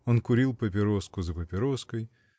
Он курил папироску за папироской.